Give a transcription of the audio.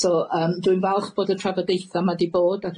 So yym dwi'n falch bod y trafodaetha' ma' di bod a